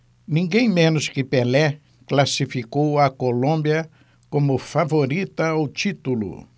ninguém menos que pelé classificou a colômbia como favorita ao título